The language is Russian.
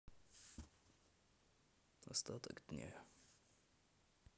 остаток дня